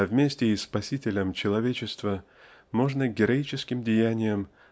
а вместе и спасителем человечества можно героическим деянием